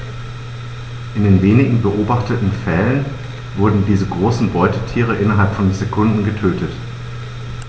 In den wenigen beobachteten Fällen wurden diese großen Beutetiere innerhalb von Sekunden getötet.